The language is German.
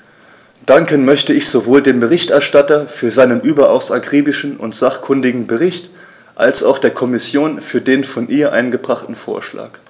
Danken möchte ich sowohl dem Berichterstatter für seinen überaus akribischen und sachkundigen Bericht als auch der Kommission für den von ihr eingebrachten Vorschlag.